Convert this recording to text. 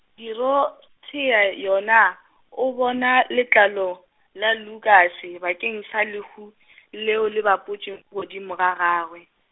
Dorothea yona, o bona letlalo, la Lukas se bakeng sa lehu , leo le bapotše godimo ga gagwe.